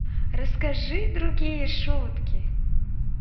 расскажи другие шутки